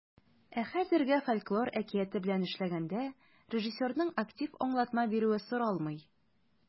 Ә хәзергә фольклор әкияте белән эшләгәндә режиссерның актив аңлатма бирүе соралмый.